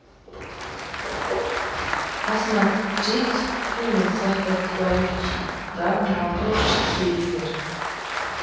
посмотреть фильм захватывающий про молодежь триллер